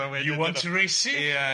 You want racy?